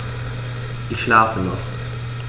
Ich schlafe noch.